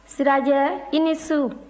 sirajɛ i ni su